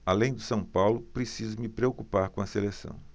além do são paulo preciso me preocupar com a seleção